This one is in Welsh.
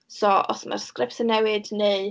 So os ma'r sgripts yn newid, neu...